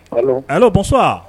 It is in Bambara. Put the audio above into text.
Allo, bonsoir